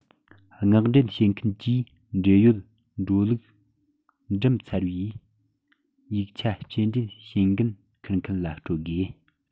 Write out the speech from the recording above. མངགས འདྲེན བྱེད མཁན གྱིས འབྲེལ ཡོད འགྲོ ལུགས འགྲིམས ཚར བའི ཡིག ཆ སྐྱེལ འདྲེན བྱེད འགན འཁུར མཁན ལ སྤྲོད དགོས